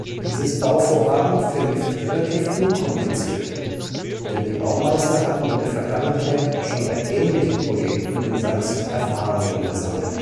Dieses Bauvorhaben verlief relativ unkompliziert, denn die Baumeister hatten in der Vergangenheit schon bei ähnlichen Projekten in Sachsen Erfahrungen gesammelt